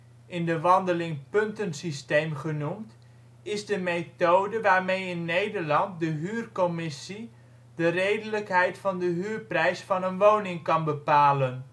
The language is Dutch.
in de wandeling puntensysteem genoemd) is de methode waarmee in Nederland de Huurcommissie de redelijkheid van de huurprijs van een woning kan bepalen